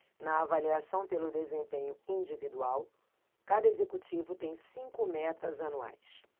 na avaliação pelo desempenho individual cada executivo tem cinco metas anuais